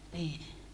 niin